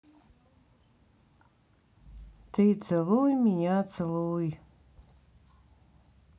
ты целуй меня целуй